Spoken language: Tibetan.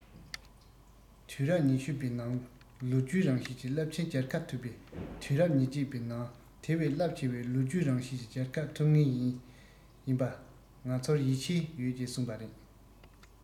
དུས རབས ཉི ཤུ བའི ནང ལོ རྒྱུས རང བཞིན གྱི རླབས ཆེན རྒྱལ ཁ ཐོབ པའི དུས རབས ཉེར གཅིག པའི ནང དེ བས རླབས ཆེ བའི ལོ རྒྱུས རང བཞིན གྱི རྒྱལ ཁབ ཐོབ ངེས ཡིན པ ང ཚོར ཡིད ཆེས ཡོད ཅེས གསུངས པ རེད